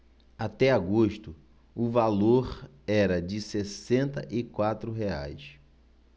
até agosto o valor era de sessenta e quatro reais